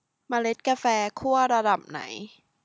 เมล็ดกาแฟคั่วระดับไหน